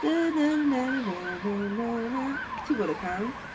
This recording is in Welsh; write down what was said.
Ti'n gwybod y cân?